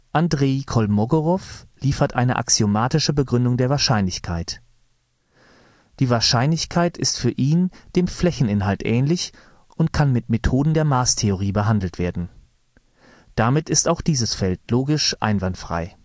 Andrei Kolmogorow liefert eine axiomatische Begründung der Wahrscheinlichkeit. Die Wahrscheinlichkeit ist für ihn ähnlich dem Flächeninhalt und kann mit Methoden der Maßtheorie behandelt werden. Damit ist auch dieses Feld logisch einwandfrei